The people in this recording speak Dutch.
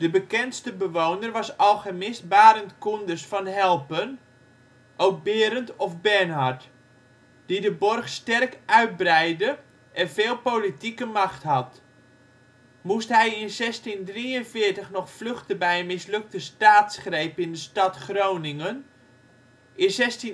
bekendste bewoner was alchemist Barend Coenders van Helpen (ook Berend of Bernhard), die de borg sterk uitbreidde en veel politieke macht had. Moest hij in 1643 nog vluchten bij een mislukte staatsgreep in de stad Groningen, in 1668